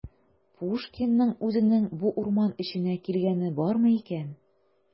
Пушкинның үзенең бу урман эченә килгәне бармы икән?